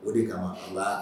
O de kama